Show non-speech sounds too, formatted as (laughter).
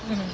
(hesitation) (hesitation)